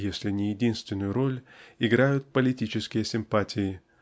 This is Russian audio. если не единственную роль играют политические симпатии